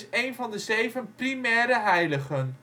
een van de zeven primaire heiligen